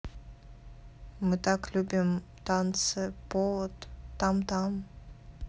мы так любим танцы повод там там